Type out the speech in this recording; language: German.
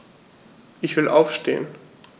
Ich will aufstehen.